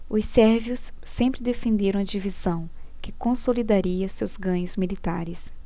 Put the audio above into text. os sérvios sempre defenderam a divisão que consolidaria seus ganhos militares